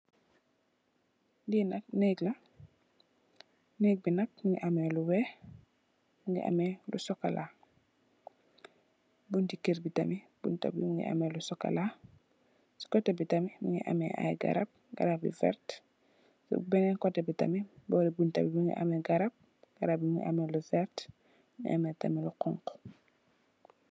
Lee nak neeg la naag be nak muge ameh lu weex muge ameh lu sukola bunte kerr be tamin bunta be muge ameh lu sukola se koteh be tamin muge ameh aye garab garab yu verte se benen koteh be tamin bore bunta be muge ameh garab garab muge ameh lu verte muge ameh tamin lu xonxo.